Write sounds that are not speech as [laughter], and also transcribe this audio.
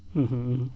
[hesitation] [hesitation]